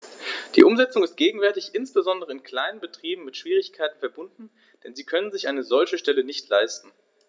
Die Umsetzung ist gegenwärtig insbesondere in kleinen Betrieben mit Schwierigkeiten verbunden, denn sie können sich eine solche Stelle nicht leisten.